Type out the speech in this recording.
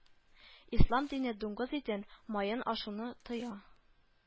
Ислам дине дуңгыз итен, маен ашауны тыя